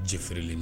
Jeferelen